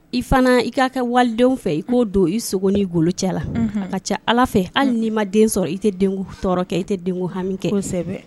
I fana i k'a kɛ walidenw fɛ i k'o don i sogo n' i golo cɛla la ka ca ala fɛ hali n'i ma den sɔrɔ i tɛ tɔɔrɔ kɛ i tɛ hami kɛ kosɛbɛ